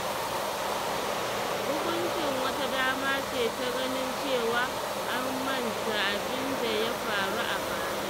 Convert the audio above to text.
“Hukuncin wata dama ce ta ganin cewa an manta abin da ya faru a bayan.”